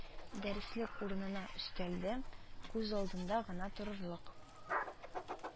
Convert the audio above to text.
Дәреслек урынына өстәлдә, күз алдында гына торырлык